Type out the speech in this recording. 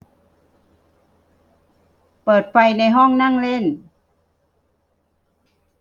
เปิดไฟในห้องนั่งเล่น